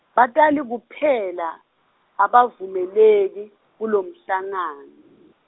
batali kuphela, abavumeleki, kulomhlangano.